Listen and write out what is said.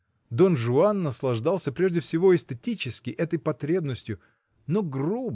Дон Жуан наслаждался прежде всего эстетически этой потребностью, но грубо